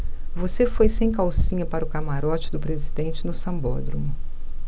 você foi sem calcinha para o camarote do presidente no sambódromo